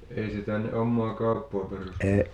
ei se tänne omaa kauppaa perustanut